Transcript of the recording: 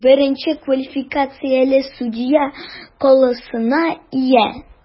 Беренче квалификацияле судья классына ия.